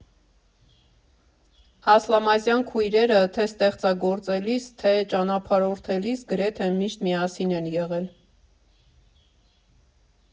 Ասլամազյան քույրերը թե՛ ստեղծագործելիս, թե՛ ճանապարհորդելիս գրեթե միշտ միասին են եղել։